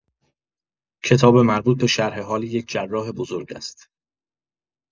کتاب مربوط به شرح‌حال یک جراح بزرگ است.